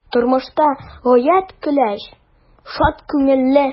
Тормышта гаять көләч, шат күңелле.